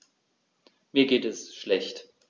Mir geht es schlecht.